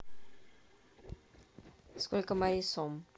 сколько мариссом